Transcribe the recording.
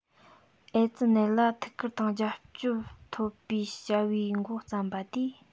ཨེ ཙི ནད ལ ཐུགས ཁུར དང རོགས སྐྱོབ བྱེད པའི བྱ བའི མགོ བརྩམས པ དེས